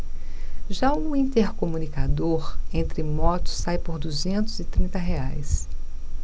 já o intercomunicador entre motos sai por duzentos e trinta reais